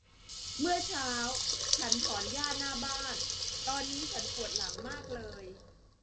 เมื่อเช้าฉันถอนหญ้าหน้าบ้านตอนนี้ฉันปวดหลังมากเลย